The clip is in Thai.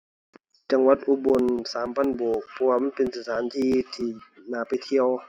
จังหวัดอุบล สามพันโบก เพราะว่ามันเป็นสถานที่ที่น่าไปเที่ยว